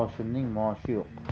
oshimning moshi yo'q